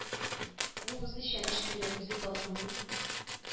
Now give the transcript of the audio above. Ул үзе чәнечкеле үзе татлымыни